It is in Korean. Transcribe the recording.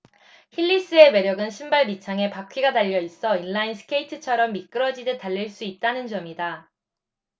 힐리스의 매력은 신발 밑창에 바퀴가 달려 있어 인라인스케이트처럼 미끄러지듯 달릴 수 있다는 점이다